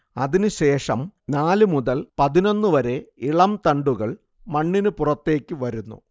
അതിനു ശേഷം നാലു മുതൽ പതിനൊന്നു വരെ ഇളം തണ്ടുകൾ മണ്ണിനു പുറത്തേക്കു വരുന്നു